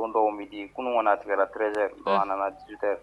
Don dɔw midi kunun kɔni a tigɛra 13 heures bon a nana 18 heures